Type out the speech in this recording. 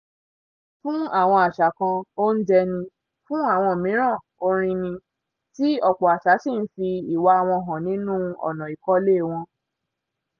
Fún àwọn àṣà kan, oúnjẹ ni, fún àwọn mìíràn orin ni, tí ọ̀pọ̀ àṣà sì ń fi ìwà wọn hàn nínú ọ̀nà ìkọ́lé wọn.